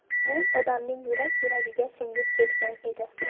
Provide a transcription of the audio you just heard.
u odamning yurak yuragiga singib ketgan edi